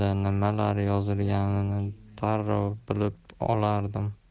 nimalar yozilganini darrov bilib olardim